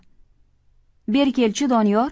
beri kel chi doniyor